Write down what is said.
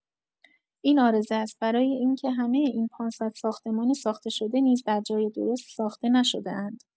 این عارضه است؛ برای اینکه همه این ۵۰۰ ساختمان ساخته‌شده نیز در جای درست، ساخته نشده‌اند.